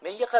menga qara